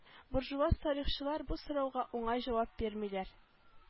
Буржуаз тарихчылар бу сорауга уңай җавап бирмиләр